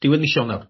diwedd mis Ionawr.